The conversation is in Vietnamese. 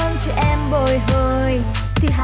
cho em bồi hồi thứ hai